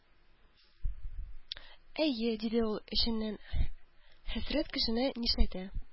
«әйе,— диде ул эченнән,—хәсрәт кешене нишләтә!»